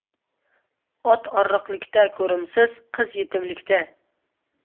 ot oriqlikda ko'rimsiz qiz yetimlikda